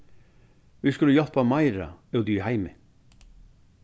vit skulu hjálpa meira úti í heimi